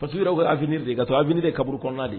Patu yɛrɛw bɛ afiini de ka to aini ne de kaburu kɔnɔna de ye